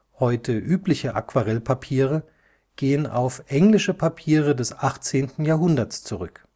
Heute übliche Aquarellpapiere gehen auf englische Papiere des 18. Jahrhunderts zurück